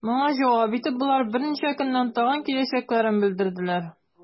Моңа җавап итеп, болар берничә көннән тагын киләчәкләрен белдерделәр.